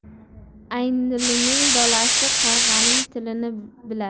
aynlining bolasi qarg'aning tilini bilar